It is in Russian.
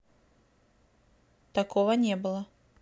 такого не было